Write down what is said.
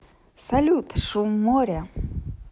салют шум моря